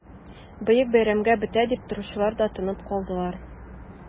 Бөек бәйрәмгә бетә дип торучылар да тынып калдылар...